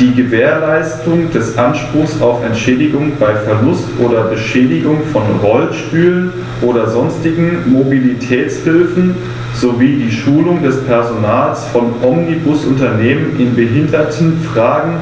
Die Gewährleistung des Anspruchs auf Entschädigung bei Verlust oder Beschädigung von Rollstühlen oder sonstigen Mobilitätshilfen sowie die Schulung des Personals von Omnibusunternehmen in Behindertenfragen